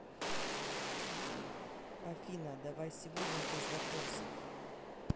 афина давай сегодня без вопросов